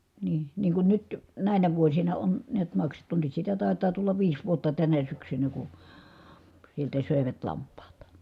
niin niin kun nyt näinä vuosina on näet maksettu nyt sitä taitaa tulla viisi vuotta tänä syksynä kun sieltä söivät lampaat